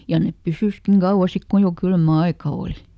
ja ne pysyikin kauan sitten kun jo kylmä aika oli